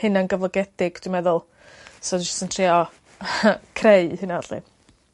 hunan gyflogiedig dwi'n meddwl so jyst yn trio creu hynna 'lly.